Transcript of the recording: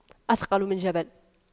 أثقل من جبل